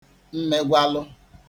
mmegwalụ